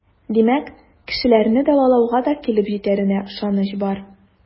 Димәк, кешеләрне дәвалауга да килеп җитәренә ышаныч бар.